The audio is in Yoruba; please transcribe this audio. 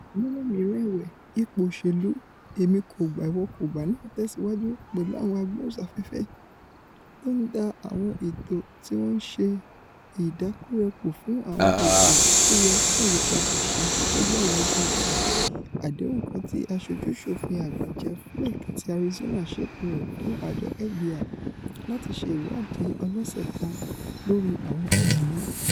Lọ́nà mìíràn ẹ̀wẹ̀, ipò òṣèlú èmikògbà-ìwọkògbà náà tẹ̀síwájú, pẹ̀lú àwọn agbóhùnsáfẹ́fẹ́ tó ńd á àwọn èto tíwọn ńṣe ìdákúrekú fún àwọn ètò tóyẹ fún ìyípadà ìṣẹ́jú tógbẹ̀yìn ọjọ́ Ẹtì: àdéhùn kan tí Aṣojú-ṣòfin Àgbà Jeff Flake ti Arizona ṣètò rẹ̀ fún àjọ FBI láti ṣe ìwáàdí ọlọ́sẹ̀ kan lórí àwọn ẹ̀sùn náà.